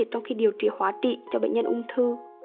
trong khi điều trị hóa trị cho bệnh nhân ung thư